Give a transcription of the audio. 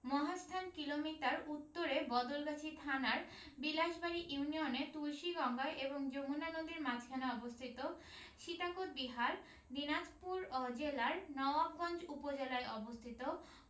Mahasthan kilometre উত্তরে বদলগাছি থানার বিলাসবাড়ি ইউনিয়নে তুলসীগঙ্গা এবং যমুনা নদীর মাঝখানে অবস্থিত সীতাকোট বিহার দিনাজপুর ও জেলার নওয়াবগঞ্জ উপজেলায় অবস্থিত